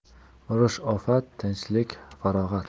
urush ofat tinchlik farog'at